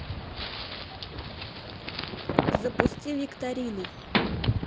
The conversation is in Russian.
запусти викторину